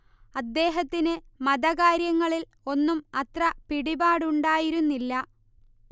അദ്ദേഹത്തിന് മതകാര്യങ്ങളിൽ ഒന്നും അത്ര പിടിപാടുണ്ടായിരുന്നില്ല